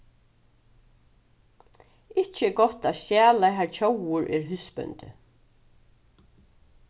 ikki er gott at stjala har tjóvur er húsbóndi